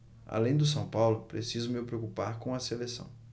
além do são paulo preciso me preocupar com a seleção